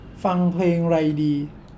ฟังเพลงไรดี